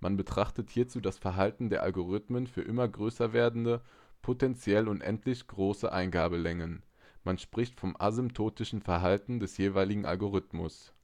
Man betrachtet hierzu das Verhalten der Algorithmen für immer größer werdende, potentiell unendlich große Eingabelängen. Man spricht vom asymptotischen Verhalten des jeweiligen Algorithmus